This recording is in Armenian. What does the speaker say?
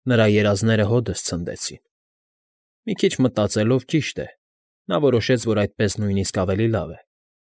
Նրա երազները հօդս ցնդեցին։ Մի քիչ մտածելով, ճիշտ է, նա որոշեց, որ այդպես նույնիսկ ավելի լավ է։